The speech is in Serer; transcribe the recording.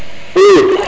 i